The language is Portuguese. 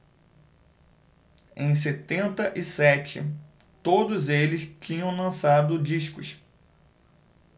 em setenta e sete todos eles tinham lançado discos